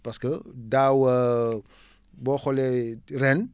parce que daaw boo xoolee ren